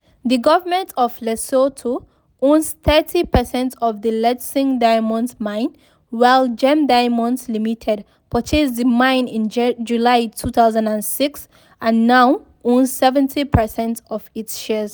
The government of Lesotho owns 30 percent of the Letšeng Diamonds Mine, while Gem Diamonds Limited purchased the mine in July 2006 and now owns 70 percent of its shares.